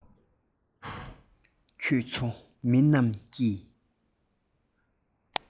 ཁྱོད ཚོ མི རྣམས ཀྱིས